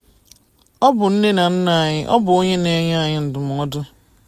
Ọ bụ nne na nna anyị, ọ bụ onye na-enye anyị ndụmọdụ.